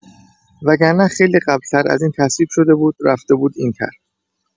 وگرنه خیلی قبل‌‌تر از این تصویب‌شده بود رفته بود این طرح!